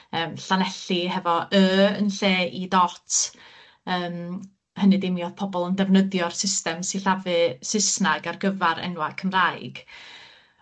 yym Llanelli hefo y yn lle i dot yym hynny 'di mi o'dd pobol yn defnyddio'r system sillafu Sysnag ar gyfar enwa'r Cymraeg